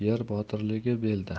er botirligi belda